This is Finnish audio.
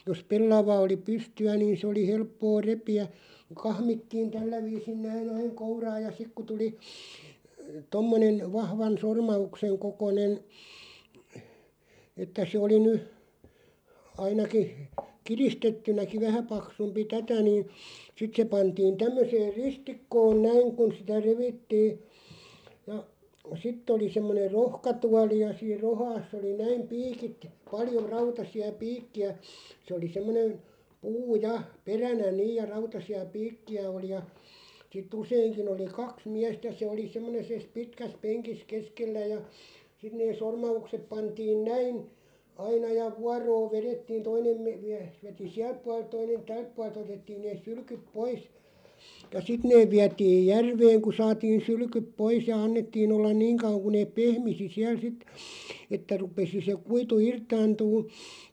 jos pellava oli pystyä niin se oli helppoa repiä kahmittiin tällä viisin näin aina kouraan ja sitten kun tuli tuommoinen vahvan sormauksen kokoinen että se oli nyt ainakin kiristettynäkin vähän paksumpi tätä niin sitten se pantiin tämmöiseen ristikkoon näin kun sitä revittiin ja sitten oli semmoinen rohkatuoli ja siinä rohkassa oli näin piikit paljon rautaisia piikkejä se oli semmoinen puu ja peränä niin ja rautaisia piikkejä oli ja sitten useinkin oli kaksi miestä se oli - semmoisessa pitkässä penkissä keskellä ja sitten ne sormaukset pantiin näin aina ja vuoroa vedettiin toinen - mies veti sieltä puolelta toinen tältä puolelta otettiin ne sylkyt pois ja sitten ne vietiin järveen kun saatiin sylkyt pois ja annettiin olla niin kauan kuin ne pehmisi siellä sitten että rupesi se kuitu irtaantumaan